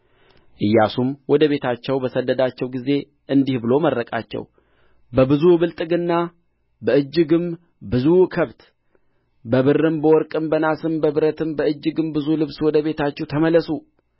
ኢያሱም ወደ ቤታቸው በሰደዳቸው ጊዜ እንዲህ ብሎ መረቃቸው በብዙ ብልጥግና በእጅግም ብዙ ከብት በብርም በወርቅም በናስም በብረትም በእጅግም ብዙ ልብስ ወደ ቤታችሁ ተመለሱ